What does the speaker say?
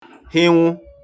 hịnwụ